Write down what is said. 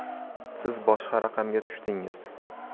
siz boshqa raqamga tushdingiz